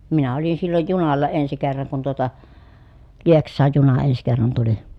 minä olin silloin junalla ensi kerran kun tuota Lieksaan juna ensi kerran tuli